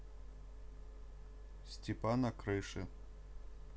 степана крыши